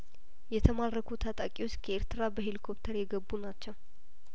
የተማረኩ ታጣቂዎች ከኤርትራ በሄሊኮፕተር የገቡ ናቸው